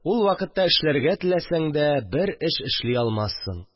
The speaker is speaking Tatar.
Ул вакытта, эшләргә теләсәң дә, бер эш эшли алмассың